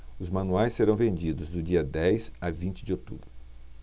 os manuais serão vendidos do dia dez a vinte de outubro